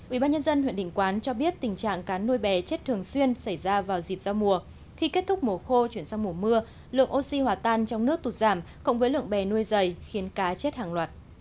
ủy ban nhân dân huyện định quán cho biết tình trạng cá nuôi bè chết thường xuyên xảy ra vào dịp giao mùa khi kết thúc mùa khô chuyển sang mùa mưa lượng ô xi hòa tan trong nước tụt giảm cộng với lượng bè nuôi dầy khiến cá chết hàng loạt